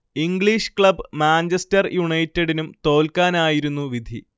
English club Manchester യുണൈറ്റഡിനും തോൽക്കാനായിരുന്നു വിധി